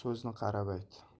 so'zni qarab ayt